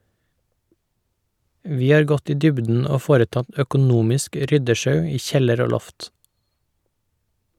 - Vi har gått i dybden og foretatt økonomisk ryddesjau i kjeller og loft.